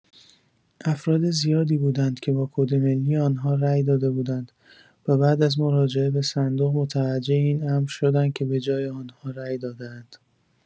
افراد زیادی بودند که با کد ملی آنها رای داده بودند و بعد از مراجعه به صندوق متوجه این امر شدند که به‌جای آنها رای داده‌اند.